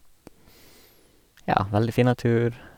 Ja, veldig fin natur.